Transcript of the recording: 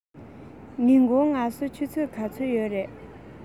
ཉིན གུང ངལ གསོ ཆུ ཚོད ག ཚོད ཡོད རས